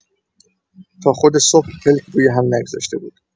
تا خود صبح پلک روی‌هم نگذاشته بود.